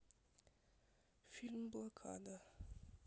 фильм блокада